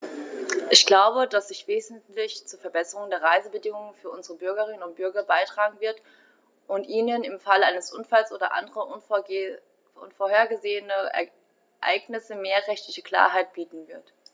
Ich glaube, dass sie wesentlich zur Verbesserung der Reisebedingungen für unsere Bürgerinnen und Bürger beitragen wird, und ihnen im Falle eines Unfalls oder anderer unvorhergesehener Ereignisse mehr rechtliche Klarheit bieten wird.